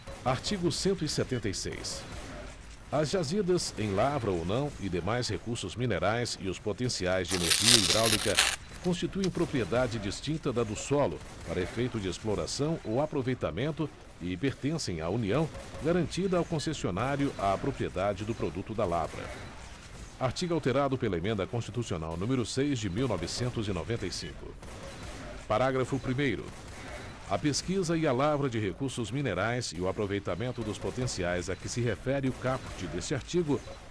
artigo cento e setenta e seis as jazidas em lavra ou não e demais recursos minerais e os potenciais de energia hidráulica constituem propriedade distinta da do solo para efeito de exploração ou aproveitamento e pertencem à união garantida ao concessionário a propriedade do produto da lavra artigo alterado pela emenda constitucional número seis de mil novecentos e noventa e cinco parágrafo primeiro a pesquisa e a lavra de recursos minerais e o aproveitamento dos potenciais a que se refere o caput deste artigo